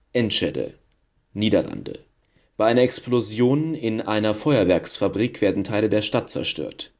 Enschede/Niederlande: Bei einer Explosion in einer Feuerwerksfabrik werden Teile der Stadt zerstört